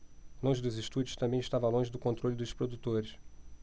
longe dos estúdios também estava longe do controle dos produtores